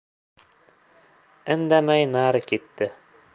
indamay nari ketdi